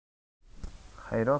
xayri opa oynaga